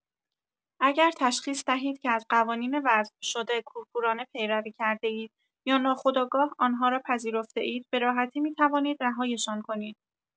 اگر تشخیص دهید که از قوانین وضع‌شده کورکورانه پیروی کرده‌اید یا ناخودآگاه آن‌ها را پذیرفته‌اید، به‌راحتی می‌توانید رهایشان کنید.